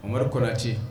Mamadu Kɔnatɛ